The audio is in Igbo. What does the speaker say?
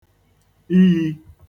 iyī